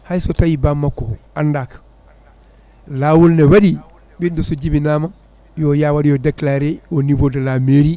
hay so tawi bammakko andaka lawol ne waɗi ɓiɗɗo so jibinama yo ya wadoyo déclaré au niveau de la mairie